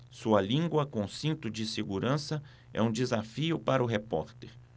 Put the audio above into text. sua língua com cinto de segurança é um desafio para o repórter